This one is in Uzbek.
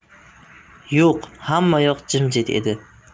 yo'q hammayoq jimjit edi